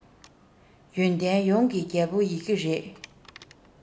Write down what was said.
ཡོན ཏན ཡོངས ཀྱི རྒྱལ པོ ཡི གེ རེད